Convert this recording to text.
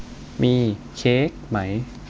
มีเค้กไหม